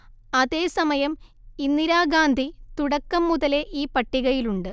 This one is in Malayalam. അതേ സമയം ഇന്ദിരാഗാന്ധി തുടക്കം മുതലേ ഈ പട്ടികയിലുണ്ട്